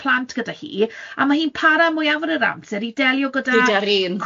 o plant gyda hi, a ma' hi'n para' mwyaf o'r amser i delio gyda... Gyda'r un